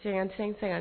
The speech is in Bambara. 5550